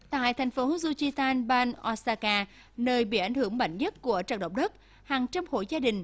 tại thành phố du chi tan bang o xa ca nơi bị ảnh hưởng mạnh nhất của trận động đất hàng trăm hộ gia đình